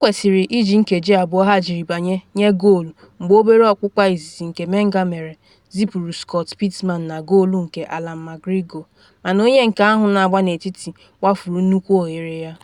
Ha kwesịrị iji nkeji abụọ ha jiri banye nye goolu mgbe obere ọkpụkpa izizi nke Menga mere zipuru Scott Pittman na goolu nke Allan McGrego, mana onye nke ahụ na-agba n’etiti gbafuru nnukwu oghere ya.